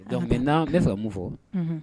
Donc maintenant n bɛ fɛ la mun fɔ Unhun